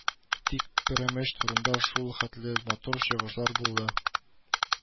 Тик пәрәмәч турында шул хәтле матур чыгышлар булды